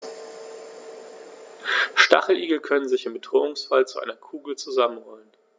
Stacheligel können sich im Bedrohungsfall zu einer Kugel zusammenrollen.